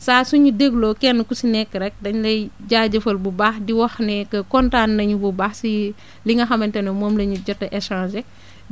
saa su ñu déggloo kenn ku si nekk rek dañu lay jaajëfal bu baax di wax ne que kontaan nañ bu baax si li nga xamante ne moom la ñu jot a échanger